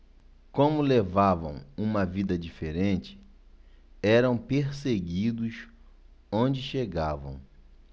como levavam uma vida diferente eram perseguidos onde chegavam